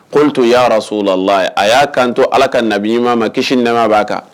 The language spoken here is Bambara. Ko to y'araso la la a y'a kanto ala ka nabimaa ma kisi nɛ b'a kan